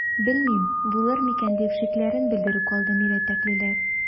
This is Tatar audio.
Белмим, булыр микән,– дип шикләрен белдереп калды мирәтәклеләр.